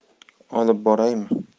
olib boraymi